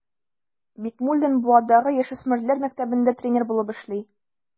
Бикмуллин Буадагы яшүсмерләр мәктәбендә тренер булып эшли.